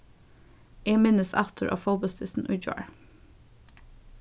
eg minnist aftur á fótbóltsdystin í gjár